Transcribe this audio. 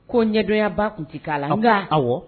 Ko ɲɛdɔnyaba tun tɛ k'a la nka, awɔ.